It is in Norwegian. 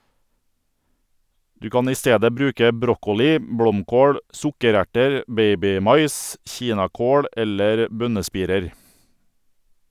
Du kan i stedet bruke brokkoli, blomkål, sukkererter, babymais, kinakål eller bønnespirer.